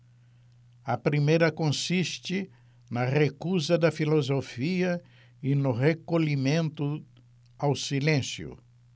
a primeira consiste na recusa da filosofia e no recolhimento ao silêncio